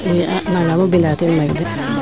i a naangamo bindaa teen mayu de